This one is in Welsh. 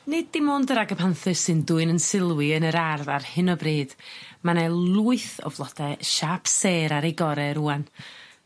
Nid dim ond yr agerpanthus sy'n dwyn 'yn sylw i yn yr ardd ar hyn o bryd ma' 'ne lwyth o flode siâp sêr ar eu gore rŵan.